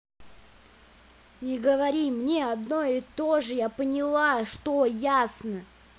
не говори мне одно и то же я поняла что ясно